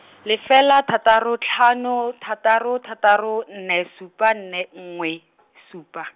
lefela thataro tlhano thataro thataro nne supa nne nngwe , supa.